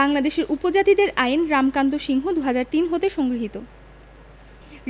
বাংলাদেশের উপজাতিদের আইন রামকান্ত সিংহ ২০০৩ হতে সংগৃহীত